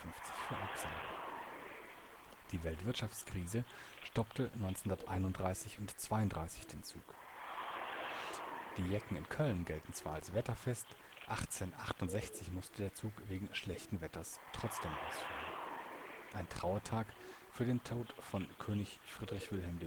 für Absagen. Die Weltwirtschaftskrise stoppte 1931 und 1932 den Zug. Die Jecken in Köln gelten zwar als wetterfest, 1868 musste der Zug wegen schlechten Wetters trotzdem entfallen. Ein Trauertag für den Tod von König Friedrich Wilhelm